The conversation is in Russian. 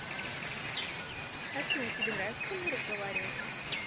афина тебе нравится со мной разговаривать